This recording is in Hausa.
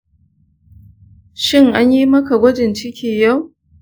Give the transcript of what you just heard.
shin an yi maka gwajin ciki yau?